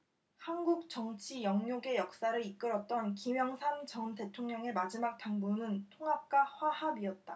한국정치 영욕의 역사를 이끌었던 김영삼 전 대통령의 마지막 당부는 통합과 화합이었다